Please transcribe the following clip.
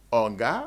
Ɔwɔ